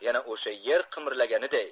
yana o'sha yer qimirlaganiday